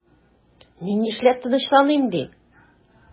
Мин нишләп тынычланыйм ди?